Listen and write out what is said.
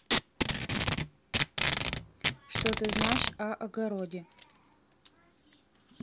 что ты знаешь о огороде